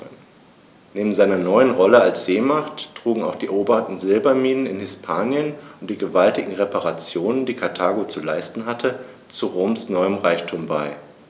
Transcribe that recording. Neben seiner neuen Rolle als Seemacht trugen auch die eroberten Silberminen in Hispanien und die gewaltigen Reparationen, die Karthago zu leisten hatte, zu Roms neuem Reichtum bei.